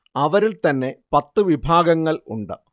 അവരിൽ തന്നെ പത്തു വിഭാഗങ്ങൾ ഉണ്ട്